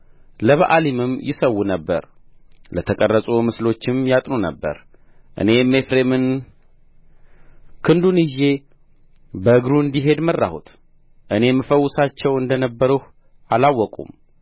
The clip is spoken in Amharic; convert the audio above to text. ለበኣሊምም ይሠዉ ነበር ለተቀረጹ ምስሎችም ያጥኑ ነበር እኔም ኤፍሬምን ክንዱን ይዤ በእግሩ እንዲሄድ መራሁት እኔም እፈውሳቸው እንደ ነበርሁ አላወቁም